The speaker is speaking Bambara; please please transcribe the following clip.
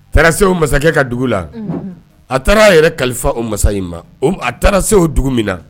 Taara se o masakɛ ka dugu la a taara a yɛrɛ kalifa o masa in ma a taara se o dugu min na